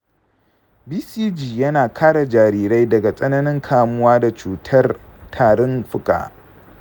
bcg yana kare jarirai daga tsananin kamuwa da cutar tarin fuka.